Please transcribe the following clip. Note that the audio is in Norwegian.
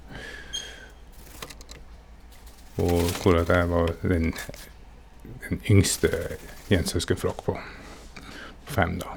Og hvorak jeg var den den yngste i en søskenflokk på fem, da.